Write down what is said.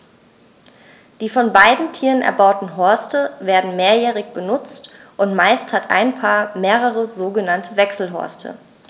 Die von beiden Tieren erbauten Horste werden mehrjährig benutzt, und meist hat ein Paar mehrere sogenannte Wechselhorste.